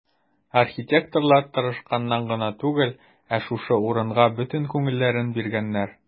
Архитекторлар тырышканнар гына түгел, ә шушы урынга бөтен күңелләрен биргәннәр.